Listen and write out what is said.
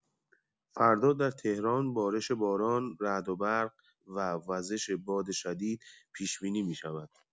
فردا در تهران بارش باران، رعدوبرق و وزش باد شدید پیش‌بینی می‌شود.